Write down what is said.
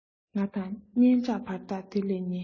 ང དང སྙན གྲགས བར ཐག དེ ལས ཉེ